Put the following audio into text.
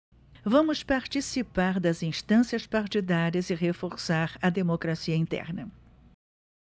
vamos participar das instâncias partidárias e reforçar a democracia interna